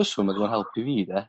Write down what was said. Byswn ma' 'di bod yn help i fi de